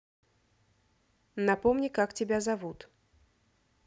напомни как тебя зовут